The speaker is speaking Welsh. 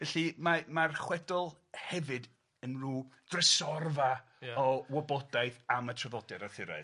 Felly mae mae'r chwedl hefyd yn rw drysorfa... ia. ...o wybodaeth am y traddodiad Arthuraidd.